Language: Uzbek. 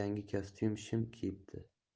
yangi kostum shim kiyibdi